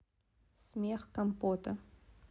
смех компота